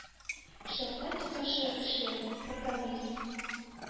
Шәфкать туташы эше, программист